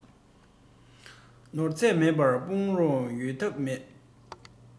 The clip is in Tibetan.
ནོར རྫས མེད པར དཔུང རོགས ཡོང ཐབས མེད